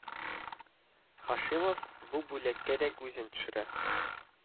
Һашимов бу бүлеккә дә күзен төшерә